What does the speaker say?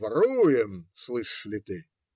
Воруем, слышишь ли ты?